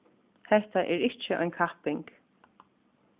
hetta er ikki ein kapping